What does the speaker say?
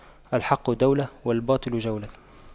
الحق دولة والباطل جولة